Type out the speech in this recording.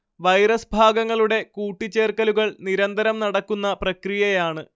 virus ഭാഗങ്ങളുടെ കൂട്ടിച്ചേർക്കലുകൾ നിരന്തരം നടക്കുന്ന പ്രക്രിയയാണ്